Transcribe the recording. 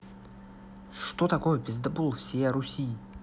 что такое пиздабол всея руси